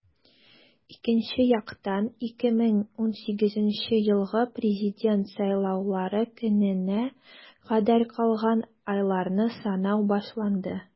Икенче яктан - 2018 елгы Президент сайлаулары көненә кадәр калган айларны санау башланды.